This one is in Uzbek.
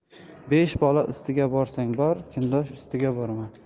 besh bola ustiga borsang bor kundosh ustiga borma